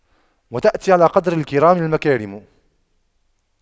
وتأتي على قدر الكرام المكارم